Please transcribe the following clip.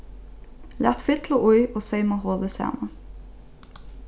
lat fyllu í og seyma holið saman